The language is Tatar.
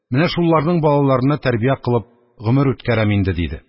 Менә шунларның балаларыны тәрбия кылып гомер үткәрәм инде, – диде.